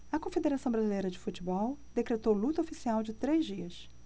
a confederação brasileira de futebol decretou luto oficial de três dias